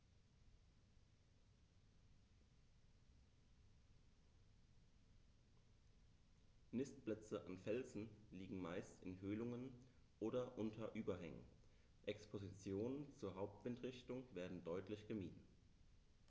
Nistplätze an Felsen liegen meist in Höhlungen oder unter Überhängen, Expositionen zur Hauptwindrichtung werden deutlich gemieden.